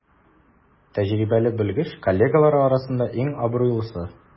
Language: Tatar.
Тәҗрибәле белгеч коллегалары арасында иң абруйлысы.